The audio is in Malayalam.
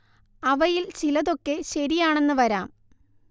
അവയിൽ ചിലതൊക്കെ ശരിയാണെന്ന് വരാം